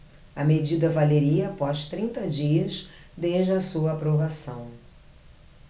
a medida valeria após trinta dias desde a sua aprovação